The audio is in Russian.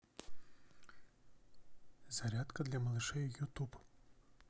зарядка для малышей ютуб